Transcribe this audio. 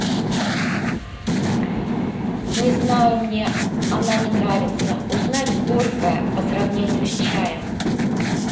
не знаю мне она не нравится узнать горькая по сравнению с чаем